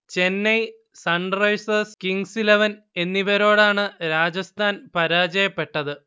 Chennai, Sunrisers, Kings Eleven എന്നിവരോടാണ് രാജസ്ഥാൻ പരാജയപ്പെട്ടത്